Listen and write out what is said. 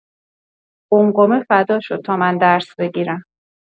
قمقمه فدا شد تا من درس بگیرم.